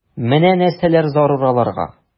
Менә нәрсәләр зарур аларга...